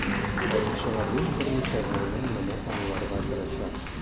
Тарихчыларның берничә буыны моны аңларга тырыша.